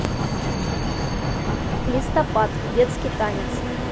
листопад детский танец